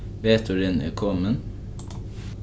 veturin er komin